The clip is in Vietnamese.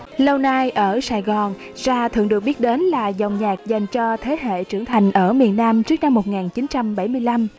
lâu nay ở sài gòn gia thường được biết đến là dòng nhạc dành cho thế hệ trưởng thành ở miền nam trước năm một ngàn chín trăm bảy mươi lăm